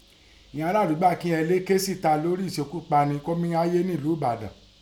Ìghọn ará àdúgbò Akinyele ké síta lórí iṣékúpani kọ̀ mí háyé ní elú Ẹ̀badan.